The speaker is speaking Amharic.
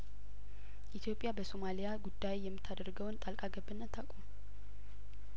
ኢትዮጵያ በሶማሊያ ጉዳይ የምታደርገውን ጣልቃገብነት ታቁም